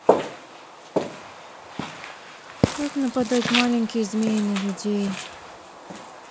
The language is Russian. как нападать маленькие змеи на людей